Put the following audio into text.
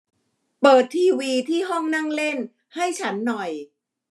เปิดทีวีที่ห้องนั่งเล่นให้ฉันหน่อย